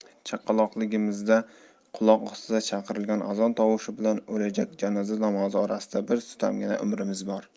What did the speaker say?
chaqaloqligimizda quloq ostida chaqirilgan azon tovushi bilan o'qilajak janoza namozi orasida bir tutamgina umrimiz bor